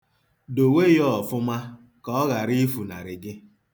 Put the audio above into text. Dowe ya ọfụma ka ọ ghara ifunarị gị.